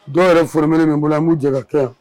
Dɔw yɛrɛ fmɛ min bolo a n'u jɛ kɛ yan